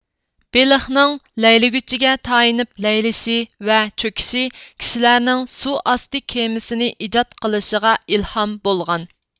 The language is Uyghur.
بېلىقنىڭ لەيلىگۈچىگە تايىنىپ لەيلىشى ۋە چۆكۈشى كىشىلەرنىڭ سۇ ئاستى كېمىسىنى ئىجاد قىلىشىغا ئىلھام بولغان